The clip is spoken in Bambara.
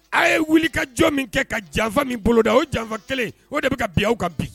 A ye wuli ka jɔn min kɛ ka janfa min boloda o janfa kelen o de bɛ bin aw kan bi